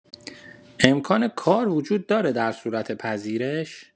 امکان کار وجود داره در صورت پذیرش؟